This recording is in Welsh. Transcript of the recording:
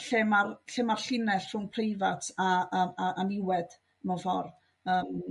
lle ma'r lle ma'r llinell rhwng preifat a a a niwed mewn ffor' yym